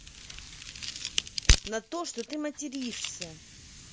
на то что ты материшься